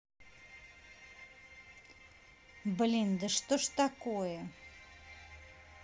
блин да что ж такое